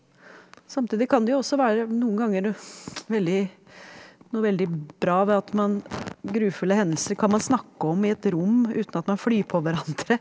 samtidig kan det jo også være noen ganger veldig noe veldig bra ved at man grufulle hendelser kan man snakke om i et rom uten at man flyr på hverandre.